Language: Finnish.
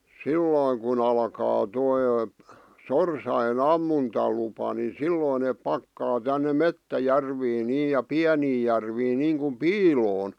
silloin kun alkaa tuo sorsien ammuntalupa niin silloin ne pakkaa tänne metsäjärviin niin ja pieniin järviin niin kuin piiloon